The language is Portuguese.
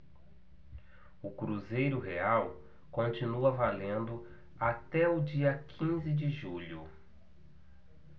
o cruzeiro real continua valendo até o dia quinze de julho